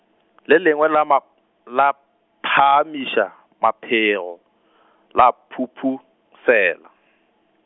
le lengwe la ma, la phaamiša maphego , la phuphusela.